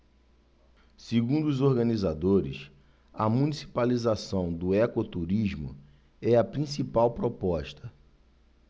segundo os organizadores a municipalização do ecoturismo é a principal proposta